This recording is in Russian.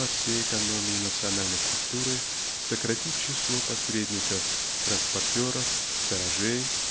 во всей экономии национальной культуры сократить число посредников транспортеров сторожей